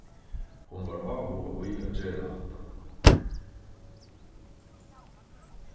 hon var áhugað í at gera hatta